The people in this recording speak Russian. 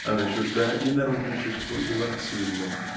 она чужда и народничеству и марксизму